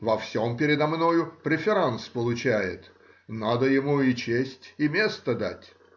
— во всем передо мною преферанс получает,— надо ему и честь и место дать.